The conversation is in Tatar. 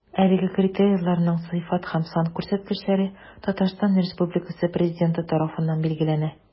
Әлеге критерийларның сыйфат һәм сан күрсәткечләре Татарстан Республикасы Президенты тарафыннан билгеләнә.